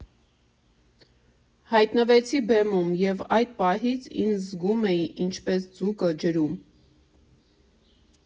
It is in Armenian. Հայտնվեցի բեմում և այդ պահից ինձ զգում էի ինչպես ձուկը ջրում։